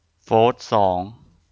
โฟธสอง